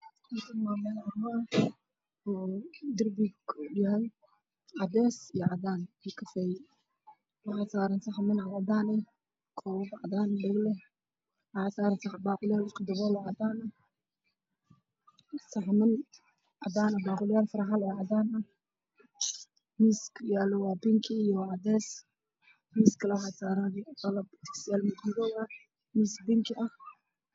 Waa tukaan waxaa lagu iibinayaa alaabta maacuunta weelasha wadamada